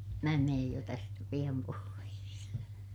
minä menen jo tästä pian pois